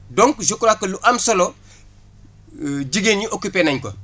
donc je crois que lu am solo jigéen ñi occuper nañ ko